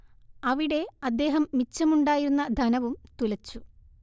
അവിടെ അദ്ദേഹം മിച്ചമുണ്ടായിരുന്ന ധനവും തുലച്ചു